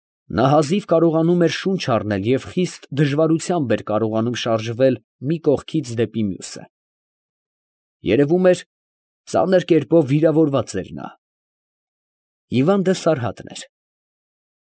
Նա հազիվ կարողանում էր շունչ առնել և խիստ դժվարությամբ էր կարողանում շարժվել մի կողքից դեպի մյուսը երևում էր, ծանր կերպով վիրավորված էր նա։ ֊Հիվանդը Սարհատն էր։